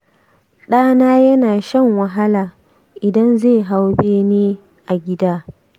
ɗana yana shan wahala idan ze hau bene a gida